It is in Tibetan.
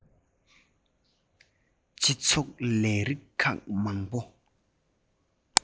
སྤྱི ཚོགས ལས རིགས ཁག མང པོ